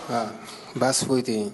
Aa baasi tɛ yen